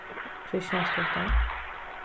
kristjansgøta